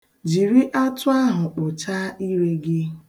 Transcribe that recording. Jiri atụ ahụ kpụchaa ire gị.